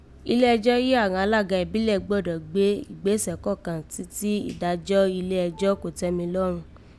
Ilé ẹjọ́ jí àghan alága ìbílẹ̀ gbọ́dọ̀ gbé ìgbésẹ̀ kọ́kàn títí ìdájọ́ ilé ẹjọ́ Kòtẹ́milọ́run